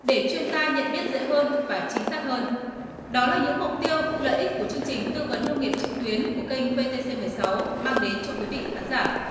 để chuyên gia nhận biết dễ hơn và chính xác hơn đó là những mục tiêu lợi ích của chương trình tư vấn nông nghiệp trực tuyến của kênh vê tê xê mười sáu mang đến cho quý vị khán giả